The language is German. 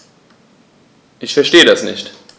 Ich verstehe das nicht.